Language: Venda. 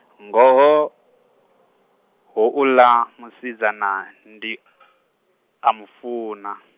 ngoho, houḽa musidzana ndi, a mufunwa.